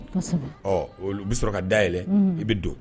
Ɔ i bɛ sɔrɔ ka dayɛlɛn i bɛ don